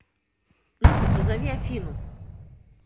ну ка позови афину